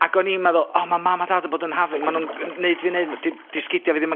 ...ag o'n i'n meddwl o , ma' mam a dad yn bod yn hafin. Ma' nw'n g- neud fi neud, d- 'di sgidia fi ddim yn